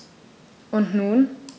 Und nun?